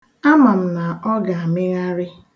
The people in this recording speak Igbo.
Ama m na ọ ga-amịghịrị.